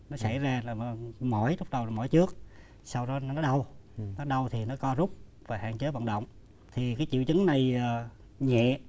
nó xảy ra mỏi lúc đầu là mỏi trước sau đó nó đau nó đau thì nó co rút và hạn chế vận động thì cái triệu chứng này nhẹ